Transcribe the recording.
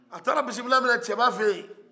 a taara bisimila minɛ cɛba fɛ ye